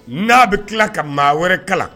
N'a bɛ tila ka maa wɛrɛ kalan